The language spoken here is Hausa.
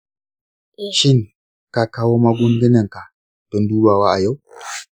shin ka kawo magungunanka don dubawa a yau?